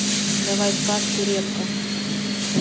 давай сказку репка